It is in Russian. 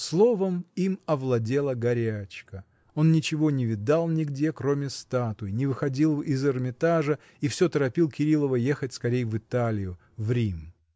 Словом, им овладела горячка: он ничего не видал нигде, кроме статуй, не выходил из Эрмитажа и всё торопил Кирилова ехать скорей в Италию, в Рим.